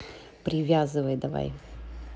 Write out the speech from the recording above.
привязывай давай